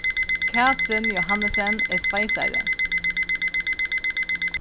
katrin johannesen er sveisari